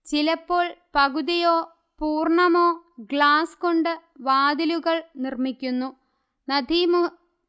ചിലപ്പോൾ പകുതിയോ പൂർണ്ണമോ ഗ്ലാസ് കൊണ്ട് വാതിലുകൽ നിർമ്മിക്കുന്നു